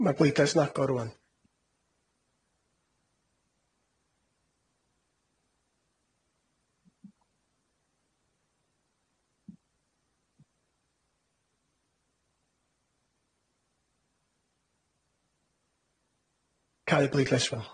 Mae'r bleidlais yn agor rŵan. Cau y bleidlais